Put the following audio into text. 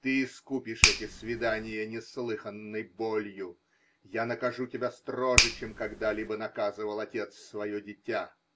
Ты искупишь эти свидания неслыханной болью -- я накажу тебя строже, чем когда либо наказывал отец свое дитя!